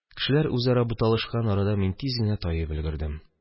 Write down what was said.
Кешеләр үзара буталышкан арада, мин тиз генә таеп өлгердем.